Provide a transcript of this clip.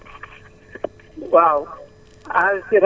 d' accord donc Ablaye Deme mu ngi lay déglu